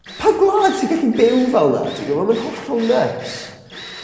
Pa gwlad sy gallu byw fel 'na ti gwbod ma'n hollol nyts.